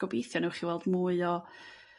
gobeithio newch chi weld mwy o